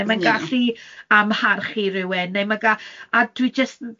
neu mae'n gallu amharchu rywun, neu ma' ga- a dwi jyst